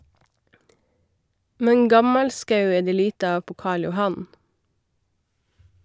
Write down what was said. - Men gammalskau er det lite av på Karl Johan?